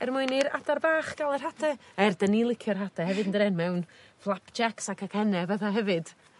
er mwyn i'r adar bach ga'l yr hade. Er 'dyn ni licio'r hade hefyd yndydyn mewn flapjacs a cacenne a bethe hefyd.